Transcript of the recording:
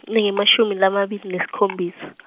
lingemashumi lamabili nesikhombisa.